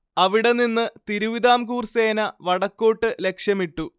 അവിടെ നിന്ന് തിരുവിതാംകൂർ സേന വടക്കോട്ട് ലക്ഷ്യമിട്ടു